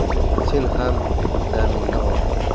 sen ham damingni ol